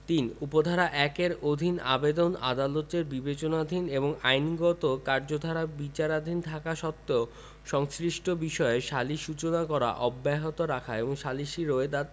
৩ উপ ধারা ১ এর অধীন আবেদন আদালতের বিবেচনাধীন এবং আইনগত কার্যধারা বিচারাধীন থাকা সত্ত্বেও সংশ্লিষ্ট বিষয়ে সালিস সূচনা করা অব্যাহত রাখা এবং সালিসী রোয়েদাদ